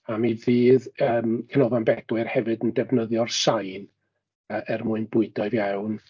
A mi fydd yym Canolfan Bedwyr hefyd yn defnyddio'r sain yy er mwyn bwydo i fewn.